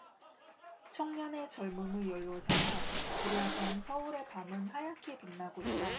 청년의 젊음을 연료 삼아 불야성 서울의 밤은 하얗게 빛나고 있다